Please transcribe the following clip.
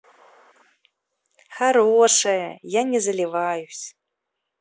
хорошее я не заливаюсь